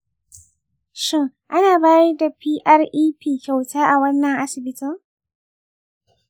shin ana bayar da prep kyauta a wannan asibitin?